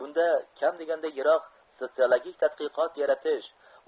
bunda kam deganda yirik sotsiologik tadqiqot yaratish